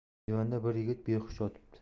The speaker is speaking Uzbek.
divanda bir yigit behush yotibdi